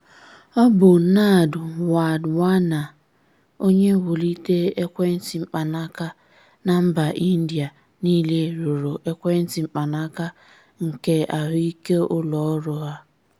Ọ bụ Nand Wadhwani onye wulitere ekwentị mpanaka na mba Indịa nille rụrụ Ekwentị Mpanaka Keahụike ụlọ ọrụ ha.